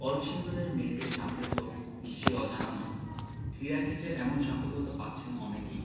কলসিন্দুরের মেয়েদের সাফল্য নিশ্চয়ই অজানা নয় ক্রীড়াক্ষেত্রে এমন সাফল্য তো পাচ্ছেন অনেকেই